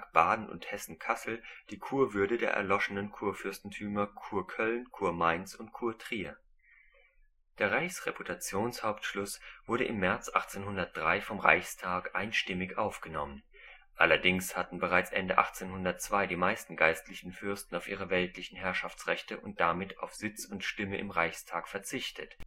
Baden und Hessen-Kassel die Kurwürde der erloschenen Kurfürstentümer Kurköln, Kurmainz und Kurtrier. Der Reichsdeputationshauptschluss wurde im März 1803 vom Reichstag einstimmig angenommen. Allerdings hatten bereits Ende 1802 die meisten geistlichen Fürsten auf ihre weltlichen Herrschaftsrechte und damit auf Sitz und Stimme im Reichstag verzichtet